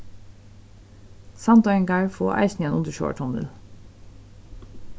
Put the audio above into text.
sandoyingar fáa eisini ein undirsjóvartunnil